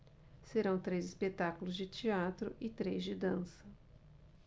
serão três espetáculos de teatro e três de dança